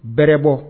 Bɛrɛbɔ